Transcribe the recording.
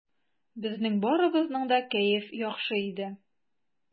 Безнең барыбызның да кәеф яхшы иде.